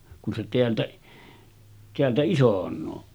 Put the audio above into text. kun se täältä täältä isonee